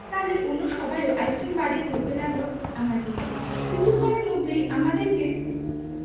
কাজেই অন্য সবাইও আইসক্রিম বাড়িয়ে ধরতে লাগিল আমার দিকে কিছুক্ষণের মধ্যেই আমাদেরকে